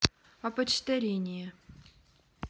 опочтарение